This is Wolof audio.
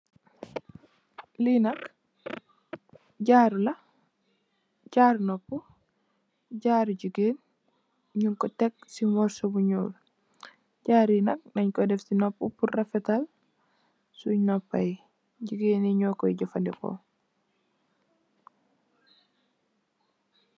Lee nak jaaru la jaaru nopu jaaru jegain nugku tek se mursu bu nuul jaaru ye nak dang koye def se nopu purr refetal sun nopa ye jegain ye nukoy jefaneku.